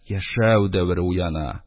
Яшәү дәвере уяна.